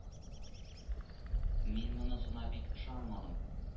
Мин монысына бик ышанмадым